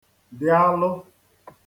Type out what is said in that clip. dị alụ̄